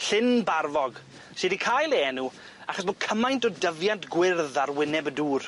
Llyn barfog, sy' 'di cael ei enw achos bo' cymaint o dyfiant gwyrdd ar wyneb y dŵr.